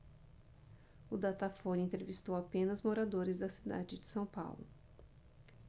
o datafolha entrevistou apenas moradores da cidade de são paulo